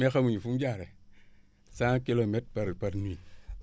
mais xamuñu fu mu jaaree cent kilomètres par par nuit